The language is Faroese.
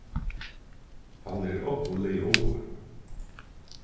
hann er ógvuliga ungur